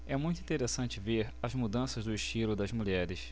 é muito interessante ver as mudanças do estilo das mulheres